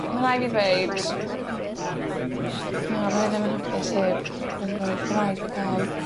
Ma raid fi ddweud na bydda i ddim yn hapus heb y rhyngrwyd, ma' raid fi ca'l